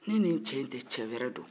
ni nin cɛ in tɛ cɛ wɛrɛ don